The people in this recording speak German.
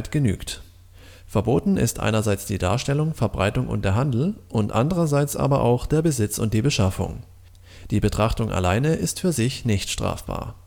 genügt. Verboten ist einerseits die Darstellung, Verbreitung und der Handel und andererseits aber auch der Besitz und die Beschaffung. Die Betrachtung alleine ist für sich nicht strafbar